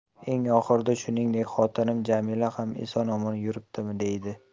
eng oxirida shuningdek xotinim jamila ham eson omon yuribdimi deydi